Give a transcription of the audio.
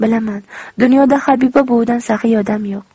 bilaman dunyoda habiba buvidan saxiy odam yo'q